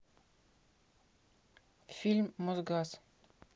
фильм мосгаз